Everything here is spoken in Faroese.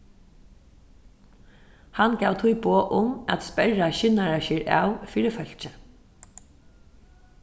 hann gav tí boð um at sperra skinnarasker av fyri fólki